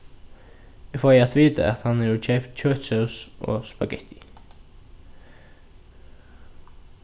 eg fái at vita at hann hevur keypt kjøtsós og spagetti